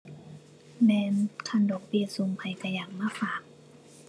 แม่น คันดอกเบี้ยสูงไผก็อยากมาฝาก